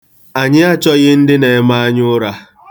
Anyị achọghị ndị na-eme anyaụra.